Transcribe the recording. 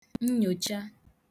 nnyòcha